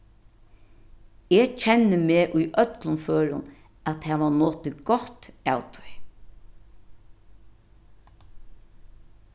eg kenni meg í øllum førum at hava notið gott av tí